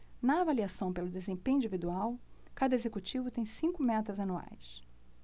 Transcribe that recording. na avaliação pelo desempenho individual cada executivo tem cinco metas anuais